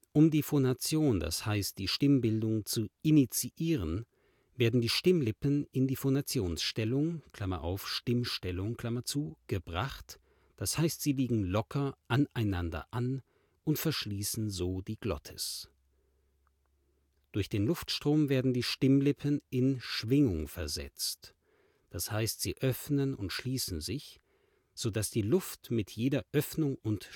Um die Phonation, d. h. die Stimmbildung zu initiieren, werden die Stimmlippen in die Phonationsstellung (Stimmstellung), gebracht, das heißt sie liegen locker aneinander an und verschließen so die Glottis. Durch den Luftstrom werden die Stimmlippen in Schwingung versetzt, d. h. sie öffnen und schließen sich, so daß die Luft mit jeder Öffnung und